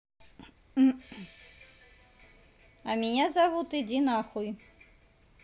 а меня зовут иди на хуй